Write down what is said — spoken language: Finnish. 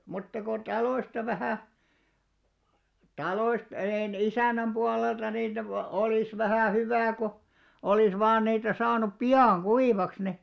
mutta kun taloista vähän taloista -- isännän puolelta niitä - olisi vähän hyvä kun olisi vain niitä saanut pian kuivaksi niin